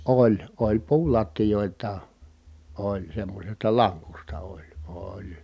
oli oli puulattioitakin oli semmoisesta lankusta oli oli